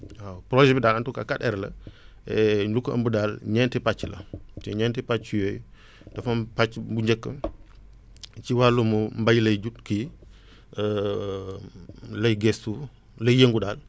waaw projet bi daal en tout cas 4R la lu ko ëmb daal ñeenti pàcc la te ñeenti pàcc yooyu dafa am pàcc bu njëkk ci wàllum mbéy lay jug kii lay gëstu lay yëngu daal